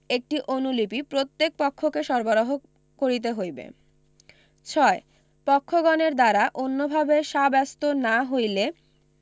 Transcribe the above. একটি অনুলিপি প্রত্যেক পক্ষকে সরবরাহ কিরতে হইবে ৬ পক্ষগণের দ্বারা অন্যভাবে সাব্যস্ত না হইলে